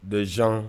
Donsan